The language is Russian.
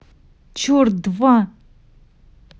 черт два